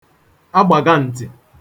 agbàgaǹtì